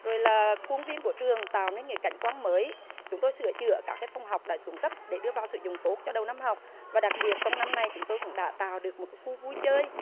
rồi là khuôn viên của trường tạo nên cái cảnh quang mới chúng tôi sửa chữa các cái phòng học đã xuống cấp để đưa vào sử dụng tốt cho đầu năm học và đặc biệt trong năm nay chúng tôi cũng đã tạo được một cái khu vui chơi